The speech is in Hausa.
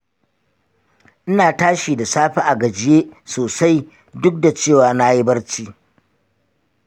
ina tashi da safe a gajiye sosai duk da cewa na yi barci.